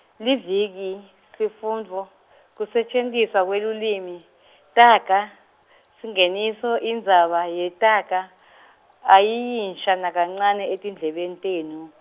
liviki, Sifundvo, Kusetjentiswa kwelulwimi , Taga, Singeniso, Indzaba yetaga , ayiyinsha nakancane etindlebeni tenu.